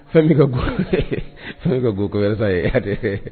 Fɛn ka fɛn ka ye